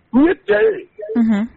Mun ni to unhun